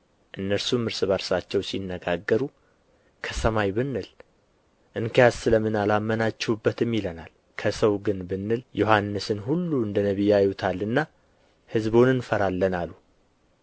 እነርሱም እርስ በርሳቸው ሲነጋገሩ ከሰማይ ብንል እንኪያስ ስለ ምን አላመናችሁበትም ይለናል ከሰው ግን ብንል ዮሐንስን ሁሉም እንደ ነቢይ ያዩታልና ሕዝቡን እንፈራለን አሉ